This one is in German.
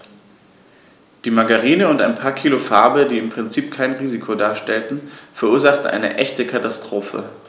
Die Margarine und ein paar Kilo Farbe, die im Prinzip kein Risiko darstellten, verursachten eine echte Katastrophe.